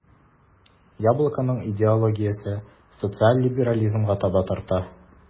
"яблоко"ның идеологиясе социаль либерализмга таба тарта.